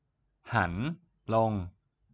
หันลง